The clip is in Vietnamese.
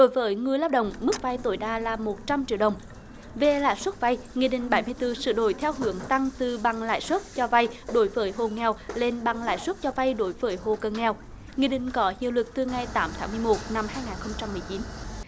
đối với người lao động mức vay tối đa là một trăm triệu đồng về lãi suất vay nghị định bảy mươi tư sửa đổi theo hướng tăng từ bằng lãi suất cho vay đối với hộ nghèo lên băng lãi suất cho vay đối với hộ cận nghèo nghị định có hiệu lực từ ngày tám tháng mười một năm hai nghìn không trăm mười chín